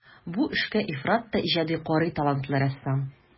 Бу эшкә ифрат та иҗади карый талантлы рәссам.